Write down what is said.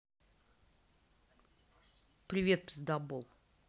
привет пиздабол